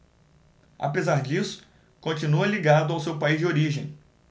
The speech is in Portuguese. apesar disso continua ligado ao seu país de origem